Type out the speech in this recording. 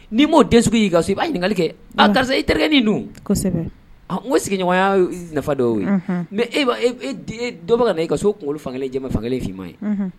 Ni'i ma dɛsɛ y'i i b'a ɲininkakali kɛ a karisa i terikɛ dun n ko sigiɲɔgɔnya nafa dɔw ye mɛ dɔ bɛ ka na i ka so kunkolo fankelen jama fankelen f'ima ye